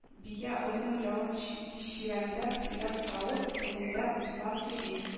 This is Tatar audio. Бия озын ялын чирәмдә сөйрәп тау итәгендә утлап йөри